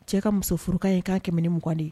Cɛ ka musof furukan ye kan kɛmɛ mugan de ye